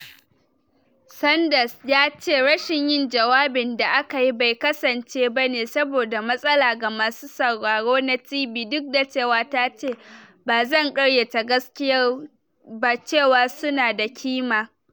Sanders ya ce, rashin yin jawabin da aka yi bai kasance ba ne saboda matsala ga masu sauraro na TV, "duk da cewa ta ce: "Ba zan karyata gaskiyar ba cewa su na da kima."